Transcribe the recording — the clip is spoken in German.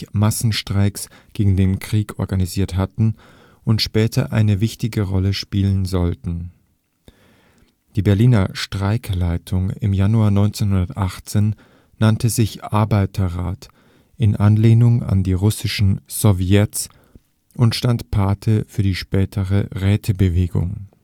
Massenstreiks gegen den Krieg organisiert hatten und später eine wichtige Rolle spielen sollten. Die Berliner Streikleitung im Januar 1918 nannte sich „ Arbeiterrat “in Anlehnung an die russischen „ Sowjets “und stand Pate für die spätere Rätebewegung